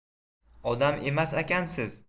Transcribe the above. odam emasakansiz